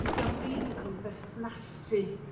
Dydi o'm rili'n ca'l 'i berthnasu